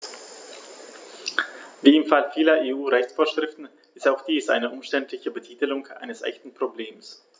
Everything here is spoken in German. Wie im Fall vieler EU-Rechtsvorschriften ist auch dies eine umständliche Betitelung eines echten Problems.